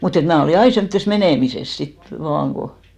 mutta että minä olin aina semmoisessa menemisessä sitten vain kun